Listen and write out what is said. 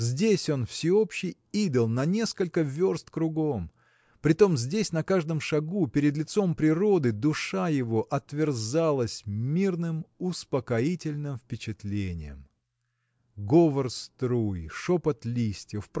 Здесь он всеобщий идол на несколько верст кругом. Притом здесь на каждом шагу перед лицом природы душа его отверзалась мирным успокоительным впечатлениям. Говор струй шепот листьев